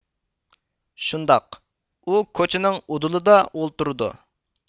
شۇنداق ئۇ كوچىنىڭ ئۇدۇلدا ئولتۇرىدۇ